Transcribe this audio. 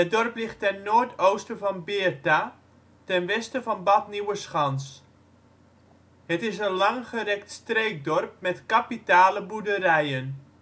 dorp ligt ten noord-oosten van Beerta, ten westen van Bad Nieuweschans. Het is een langgerekt streekdorp met kapitale boerderijen